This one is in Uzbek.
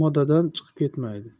modadan chiqib ketmaydi